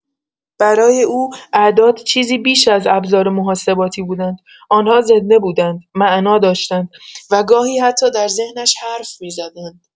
برای او، اعداد چیزی بیش از ابزار محاسباتی بودند؛ آن‌ها زنده بودند، معنا داشتند، و گاهی حتی در ذهنش حرف می‌زدند!